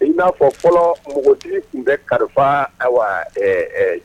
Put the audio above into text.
In'a fɔ fɔlɔ npogotigi tun bɛ kalifa